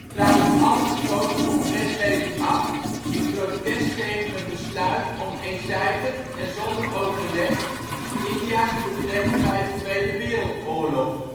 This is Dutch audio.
traden alle gekozen Congresleden af in protest tegen het besluit om eenzijdig en zonder overleg India te betrekken bij de Tweede Wereldoorlog